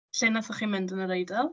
Lle wnaethoch chi mynd yn yr Eidal?